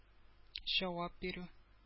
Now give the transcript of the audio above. Җавап бирү